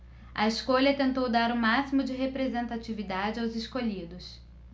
a escolha tentou dar o máximo de representatividade aos escolhidos